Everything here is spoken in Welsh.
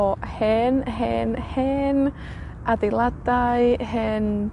o hen, hen, hen adeiladau, hen